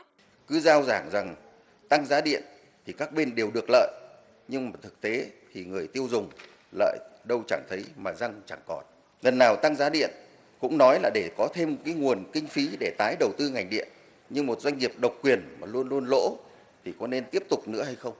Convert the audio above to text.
cứ rao giảng rằng tăng giá điện thì các bên đều được lợi nhưng thực tế thì người tiêu dùng lợi đâu chẳng thấy mà răng chẳng còn lần nào tăng giá điện cũng nói là để có thêm nguồn kinh phí để tái đầu tư ngành điện như một doanh nghiệp độc quyền mà luôn luôn lỗ thì có nên tiếp tục nữa hay không